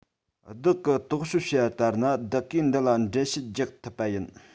བདག གི རྟོགས དཔྱོད བྱས པ ལྟར ན བདག གིས འདི ལ འགྲེལ བཤད རྒྱག ཐུབ པ ཡིན